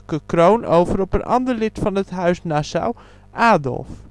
kroon over op een ander lid van het Huis Nassau, Adolf